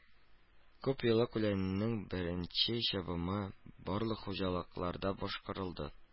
Күпьеллык үләннең беренче чабымы барлык хуҗалыкларда башкарылды